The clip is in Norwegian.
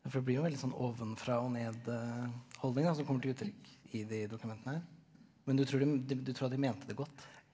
ja for det blir jo en veldig sånn ovenfra og ned holdning da som kommer til uttrykk i de dokumentene her, men du tror de du tror at de mente det godt?